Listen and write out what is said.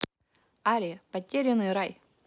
ария потерянный рай